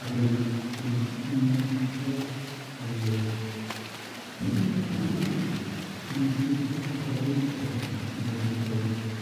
Ag yn ag r- mi newidiodd yy to- sori mi newidiodd tôn y brotest i fod yn dôn